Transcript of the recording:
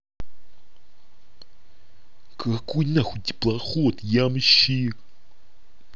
какой нахуй теплоход ямщик